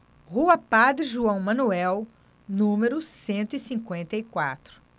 rua padre joão manuel número cento e cinquenta e quatro